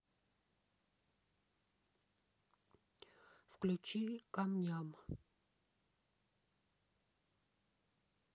включи камням